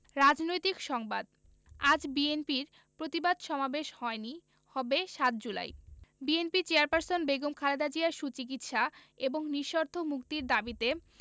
রাজনৈতিক সংবাদ আজ বিএনপির প্রতিবাদ সমাবেশ হয়নি হবে ৭ জুলাই বিএনপি চেয়ারপারসন বেগম খালেদা জিয়ার সুচিকিৎসা এবং নিঃশর্ত মুক্তির দাবিতে